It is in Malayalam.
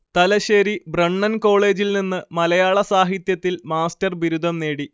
തലശ്ശേരി ബ്രണ്ണൻ കോളേജിൽ നിന്ന് മലയാള സാഹിത്യത്തിൽ മാസ്റ്റർ ബിരുദം നേടി